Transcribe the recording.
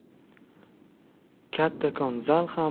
kattakon zal ham